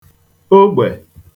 ogbè